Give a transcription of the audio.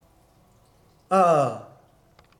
ཨ ཨ